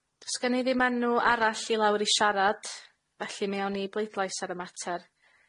Do's gen i ddim enw arall i lawr i siarad, felly mi awn ni i bleidlais ar y mater.